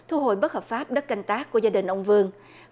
thu hồi bất hợp pháp đất canh tác của gia đình ông vương